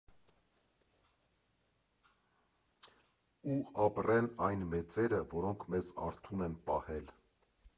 Ու ապրեն այն մեծերը, որոնք մեզ արթուն են պահել։